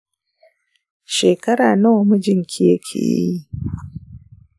shekara nawa mijinki yake?